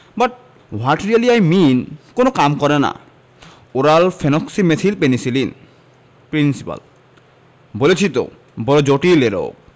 but what really I mean কোন কাম করে নাই ওরাল ফেনোক্সিমেথিল পেনিসিলিন প্রিন্সিপাল বলেছি তো বড় জটিল এ রোগ